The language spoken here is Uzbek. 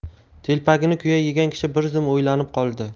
telpagini kuya yegan kishi bir zum o'ylanib qoldi